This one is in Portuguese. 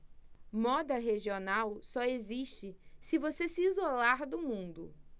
moda regional só existe se você se isolar do mundo